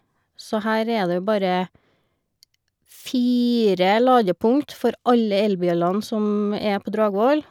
Så her er det jo bare fire ladepunkt for alle elbilene som er på Dragvoll.